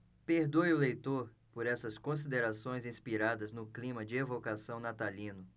perdoe o leitor por essas considerações inspiradas no clima de evocação natalino